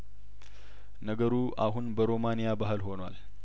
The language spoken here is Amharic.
ነገሩ አሁን በሮማን ያባህል ሆኗል